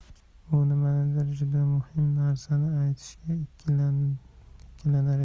u nimanidir juda muhim narsani aytishga ikkilanar edi